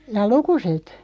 jaa lukuset